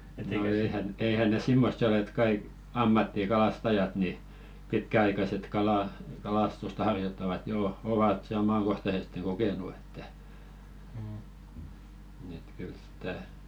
no eihän eihän ne semmoisia ole että kaikki ammattikalastajat niin pitkäaikaiset - kalastusta harjoittavat jo ovat sen omakohtaisesti kokenut että että kyllä sitä